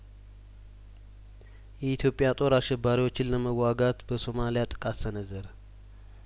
የኢትዮጵያ ጦር አሸባሪዎችን ለመዋጋት በሶማልያ ጥቃት ሰነዘረ